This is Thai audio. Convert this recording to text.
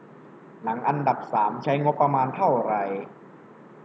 หนังอันดับสามใช้งบประมาณเท่าไหร่